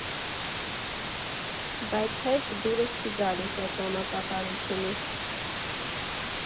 Բայց հեչ դուրս չի գալիս էտ տոնակատարությունը։